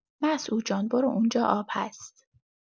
مسعود جان برو اونجا آب هست.